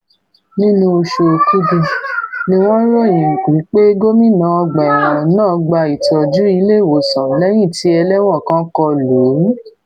Nínú oṣù Òkúdu níwọ́n ròyìn wí pé gómìnà ọgba-ẹ̀wọ̀n náà gba ìtọ́jú ilé-ìwòsàn lẹ́yìn tí ẹlẹ́wọn kan kọ lù ú.